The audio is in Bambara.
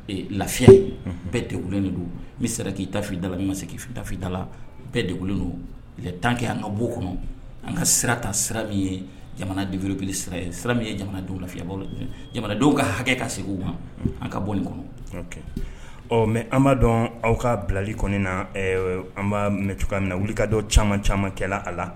Lafiyɛn bɛɛ delen de don ni sira k'i tafi dala ni ma' fitafinta la bɛɛ deg don la tan kɛ an ka bɔ kɔnɔ an ka sira ta sirafin ye jamana degkili sira ye sira ye jamanadenw lafiya bolo jamanadenw ka hakɛ ka segu u ma an ka bɔ nin kɔnɔ ɔ mɛ an b' dɔn aw ka bilali kɔnɔna na an b' mɛ cogoya min na wuli ka dɔn caman caman kɛ a la